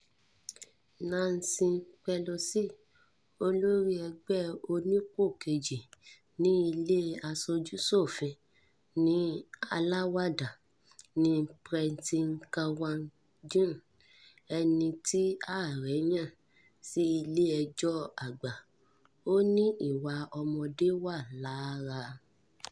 Nancy Pelosi, Olórí Ẹgbẹ́ Onípò Kejì ní Ilé aṣojú-ṣòfin, ní ‘aláwàdà’ ni Brett Kavanaugh, eni tí ààre yàn sí Ilé-ẹjọ́ Àgbà. Ó ní ìwà ọmọdé wà làráà.